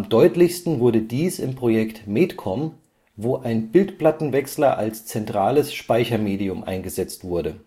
deutlichsten wurde dies im Projekt MEDKOM, wo ein Bildplattenwechsler als zentrales Speichermedium eingesetzt wurde